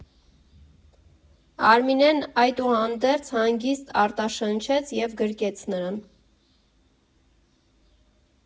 Արմինեն, այդուհանդերձ, հանգիստ արտաշնչեց և գրկեց նրան։